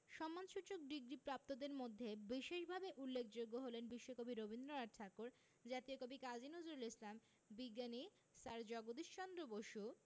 সম্মানসূচক ডিগ্রিপ্রাপ্তদের মধ্যে বিশেষভাবে উল্লেখযোগ্য হলেন বিশ্বকবি রবীন্দ্রনাথ ঠাকুর জাতীয় কবি কাজী নজরুল ইসলাম বিজ্ঞানী স্যার জগদীশ চন্দ্র বসু